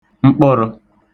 mkpə̣rə̣̄